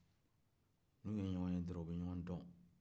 n'u ye ɲɔgɔn ye dɔrɔn u bɛ ɲɔgɔn dɔn